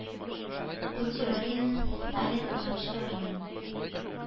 Бу теорияне Сталин уйлап чыгарган,